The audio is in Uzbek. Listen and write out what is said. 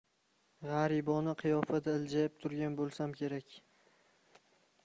g'aribona qiyofada iljayib turgan bo'lsam kerak